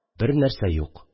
Бернәрсә юк